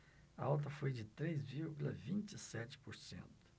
a alta foi de três vírgula vinte e sete por cento